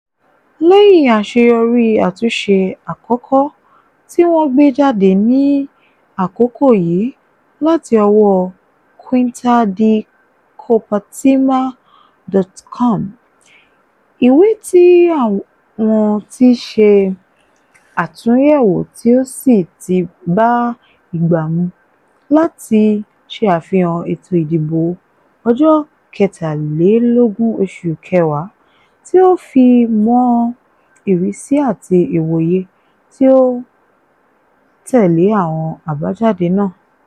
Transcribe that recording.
Lẹ́yìn àṣeyọrí àtúnṣe àkọ́kọ́, tí wọ́n gbé jáde ní àkókò yìí láti ọwọ́ quintadicopertina.com, ìwé tí wọ́n ti ṣe àtúnyẹ́wò tí ó sì ti bá ìgbà mú láti ṣe àfihàn ètò ìdìbò ọjọ́ kẹtàlélógún oṣù kẹwàá, tí ó fi mọ́ ìrísí àti ìwòye tí ó tẹ́lẹ̀ àwọn àbájáde náà.